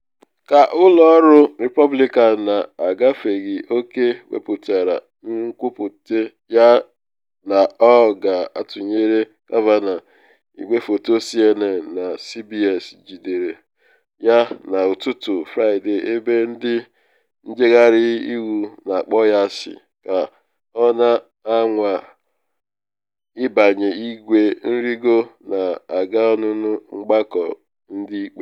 Ka ụlọ ọrụ Repọblikan na agafeghị oke wepụtara nkwupute ya na ọ ga-atụnyeere Kavanaugh, igwefoto CNN na CBS jidere ya n’ụtụtụ Fraịde ebe ndị njegharị iwe na akpọ ya asị ka ọ na anwa ịbanye igwe nrigo na aga ọnụnụ Mgbakọ Ndị Ikpe.